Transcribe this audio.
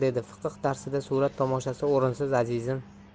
dedi fiqh darsida surat tomoshasi o'rinsiz azizim